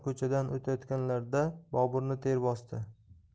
ko'chadan o'tayotganlarida boburni ter bosdi